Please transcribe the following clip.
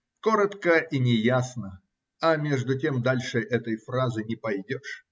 Коротко и неясно, а между тем дальше этой фразы не пойдешь.